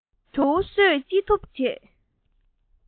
བརྒྱུགས ནས བྱིའུ གསོད ཅི ཐུབ བྱེད